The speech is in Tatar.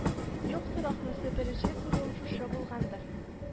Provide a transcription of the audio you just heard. Юктыр ахрысы беренче күрүем шушы булгандыр